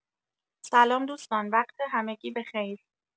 سلام دوستان وقت همگی بخیر